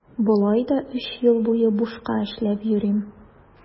Болай да өч ел буе бушка эшләп йөрим.